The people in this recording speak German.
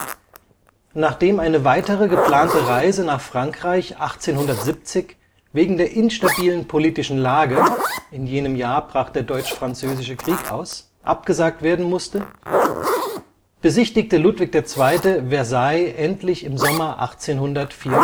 Nachdem eine weitere geplante Reise nach Frankreich 1870 wegen der instabilen politischen Lage – in jenem Jahr brach der Deutsch-Französische Krieg aus – abgesagt werden musste, besichtigte Ludwig II. Versailles endlich im Sommer 1874